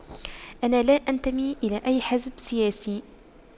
أنا لا أنتمي إلى أي حزب سياسي